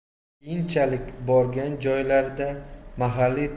keyinchalik borgan joylarida mahalliy